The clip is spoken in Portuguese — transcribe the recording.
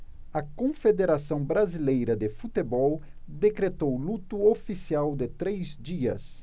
a confederação brasileira de futebol decretou luto oficial de três dias